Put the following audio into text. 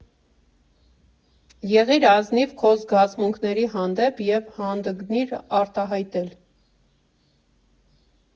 Եղիր ազնիվ քո զգացմունքների հանդեպ և հանդգնիր արտահայտել։